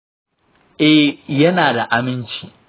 eh, yana da aminci.